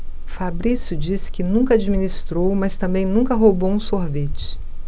fabrício disse que nunca administrou mas também nunca roubou um sorvete